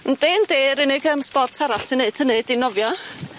Yndi yndi yr unig yym sbort arall sy'n neud hynny 'di nofio.